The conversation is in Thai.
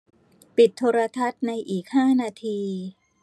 ปิดโทรทัศน์ในอีกห้านาที